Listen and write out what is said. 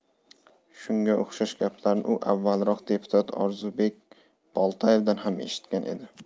shunga o'xshash gaplarni u avvalroq deputat orzubek boltaevdan ham eshitgan edi